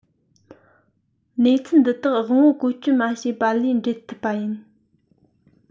གནས ཚུལ འདི དག དབང པོ བཀོལ སྤྱོད མ བྱས པ ལས འགྲེལ ཐུབ པ ཡིན